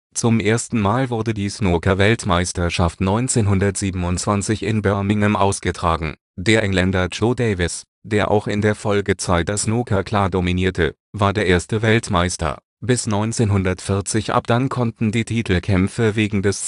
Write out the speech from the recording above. Zum ersten Mal wurde die Snookerweltmeisterschaft 1927 in Birmingham ausgetragen. Der Engländer Joe Davis, der auch in der Folgezeit das Snooker klar dominierte, war der erste Weltmeister. Bis 1940 – ab dann konnten die Titelkämpfe wegen des